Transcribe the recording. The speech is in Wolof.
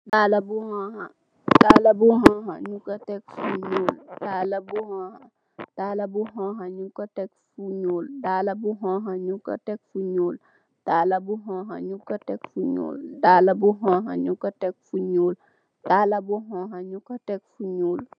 Dalla bu xonxa ñuñ ko tek fu ñuul.